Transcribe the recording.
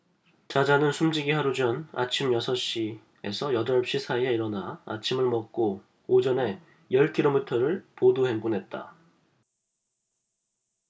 자자는 숨지기 하루 전 아침 여섯 에서 여덟 시 사이에 일어나 아침을 먹고 오전에 열 키로미터를 도보 행군했다